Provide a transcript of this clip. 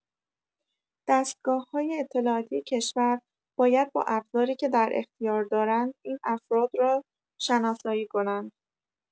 دستگاه‌های اطلاعاتی کشور باید با ابزاری که در اختیار دارند این افراد را شناسایی کنند.